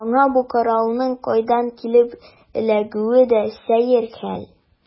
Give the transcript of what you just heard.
Аңа бу коралның кайдан килеп эләгүе дә сәер хәл.